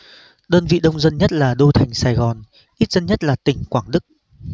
đơn vị đông dân nhất là đô thành sài gòn ít dân nhất là tỉnh quảng đức